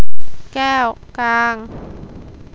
แก้วกลาง